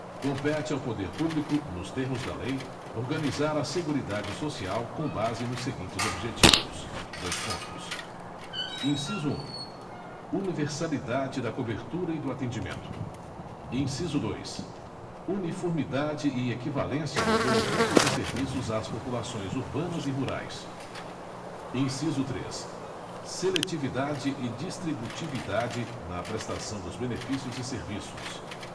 compete ao poder público nos termos da lei organizar a seguridade social com base nos seguintes objetivos dois pontos inciso um universalidade da cobertura e do atendimento inciso dois uniformidade e equivalência dos benefícios e serviços às populações urbanas e rurais inciso três seletividade e distributividade na prestação dos benefícios e serviços